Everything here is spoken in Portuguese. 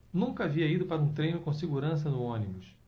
nunca havia ido para um treino com seguranças no ônibus